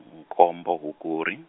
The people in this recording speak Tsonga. nkombo Hukuri.